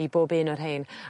i bob un o'r rhein